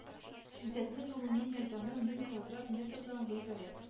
Үзәкнең гомуми мәйданы мең квадрат метрдан гыйбарәт